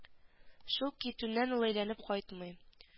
Шул китүеннән ул әйләнеп кайтмый